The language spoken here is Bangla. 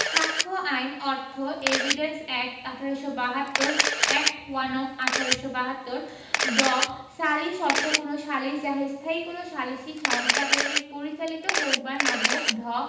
সাক্ষ্য আইন অর্থ evidence act. ১৮৭২ act one of ১৮৭২ ড সালিস অর্থ কোন সালিস যাহা স্থায়ী কোন সালিসী সংস্থা কর্তৃক পরিচালিত হউক বা না হউক ঢ